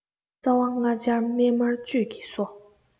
རྩ བ ལྔ སྦྱར སྨན མར བཅུད ཀྱིས གསོ